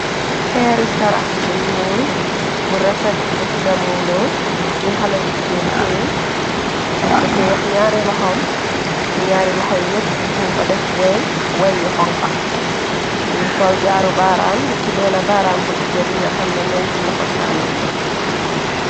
Peeri charax bu ñyuul bu refet bu tudamulo bi xale bi jigeen tee mun ko tee ak ñaari loxam ci ñaari loxo yépp mun fa def wey wey yi xonxa mini sol jaaru baaraam ci benn baaraam bu dija bi nga xamne moy ci loxo chaamoñ ga.